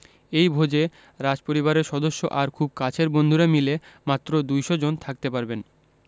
এই ভোজে রাজপরিবারের সদস্য আর খুব কাছের বন্ধুরা মিলে মাত্র ২০০ জন থাকতে পারবেন